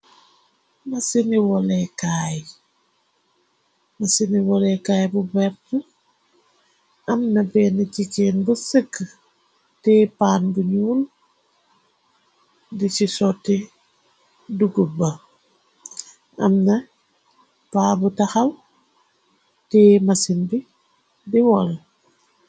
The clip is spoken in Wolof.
Masini wolekaay bu verti, am na benn jigeen bu sëkk tee paan bu nuul di ci sotti duggub ba. Am na baa bu taxal tee masin bi di wol.